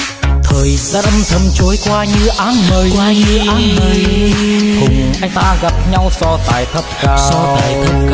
thời gian âm thầm trôi qua như áng mây hùng anh ta gặp nhau so tài thấp cao